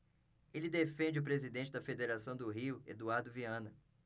ele defende o presidente da federação do rio eduardo viana